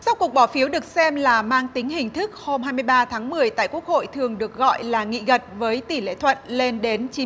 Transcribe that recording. sau cuộc bỏ phiếu được xem là mang tính hình thức hôm hai mươi ba tháng mười tại quốc hội thường được gọi là nghị gật với tỉ lệ thuận lên đến chín